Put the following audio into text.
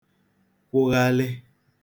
kwụghalị